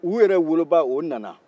u yɛrɛ woloba o nana